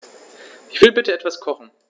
Ich will bitte etwas kochen.